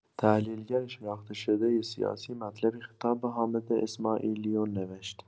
تحلیل‌گر شناخته‌شده سیاسی مطلبی خطاب به حامد اسماعیلیون نوشت.